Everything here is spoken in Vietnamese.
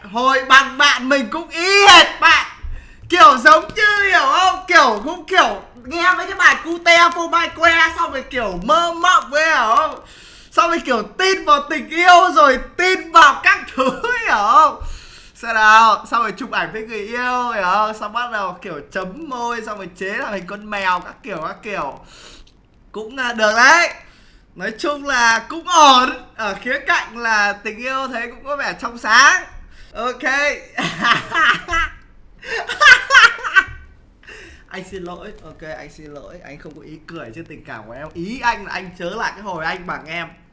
hồi bằng bạn mình cũng y hệt bạn kiểu giống như hiểu hông kiểu cũng kiểu nghe mấy cái bài cu te phô mai que xong rồi kiểu mơ mộng ý hiểu hông xong rồi kiểu tin vào tình yêu rồi tin vào các thứ ý hiểu hông xem nào xong là chụp ảnh với người yêu hiểu hông xong bắt đầu kiểu chấm môi xong là chế ra hình con mèo các kiểu các kiểu cũng được được đấy nói chung là cũng ổn ở khía cạnh là tình yêu thấy cũng có vẻ trong sáng ô cây hạ há há hà hạ anh xin lỗi ô kê anh xin lỗi anh không có ý cười trước tình cảm của em ý anh là anh nhớ lại cái hồi anh bằng em